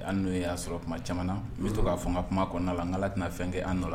An n'o ye y'a sɔrɔ tuma caman na n bɛ to'a fɔ ka kuma kɔnɔna na la n ka ala tɛna fɛn kɛ an nɔ la